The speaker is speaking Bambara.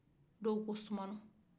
dɔw ko sumano